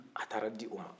a taara di o ma